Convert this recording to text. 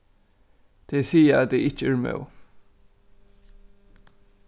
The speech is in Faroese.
tey siga at tey ikki eru móð